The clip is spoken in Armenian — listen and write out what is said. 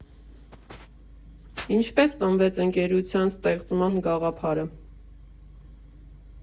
Ինչպե՞ս ծնվեց ընկերության ստեղծման գաղափարը։